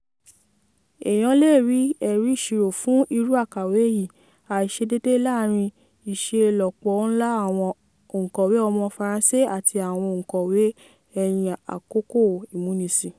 Èèyàn lè rí ẹ̀rí ìṣirò fún irú àkàwé yìí: àìṣedéédé láàárín ìṣelọ́pọ̀ ńlá àwọn òǹkọ̀wé ọmọ Faransé àti àwọn òǹkọ̀wé ẹ̀yìn-àkókò-ìmúnisìn.